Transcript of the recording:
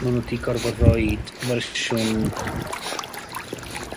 ma' nw 'di gorfod roid fersiwn